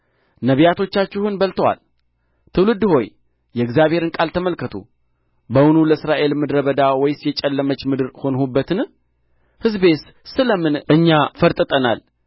ነቢያቶቻችሁን በልቶአል ትውልድ ሆይ የእግዚአብሔርን ቃል ተመልከቱ በውኑ ለእስራኤል ምድረ በዳ ወይስ የጨለመች ምድር ሆንሁባትን ሕዝቤስ ስለ ምን እኛ ፈርጥጠናል